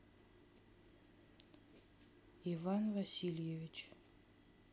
иван васильевич